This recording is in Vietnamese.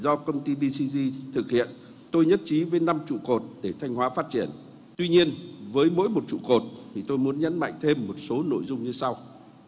do công ty bi xi di thực hiện tôi nhất trí với năm trụ cột để thanh hóa phát triển tuy nhiên với mỗi một trụ cột thì tôi muốn nhấn mạnh thêm một số nội dung như sau